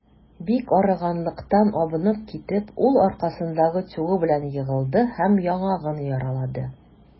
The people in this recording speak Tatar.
Бик арыганлыктан абынып китеп, ул аркасындагы тюгы белән егылды һәм яңагын яралады.